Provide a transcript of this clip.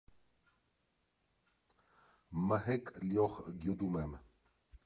Մհեկ լյոխ գյուդում ըմ։